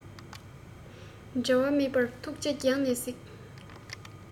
འབྲལ བ མེད པར ཐུགས རྗེས རྒྱང ནས གཟིགས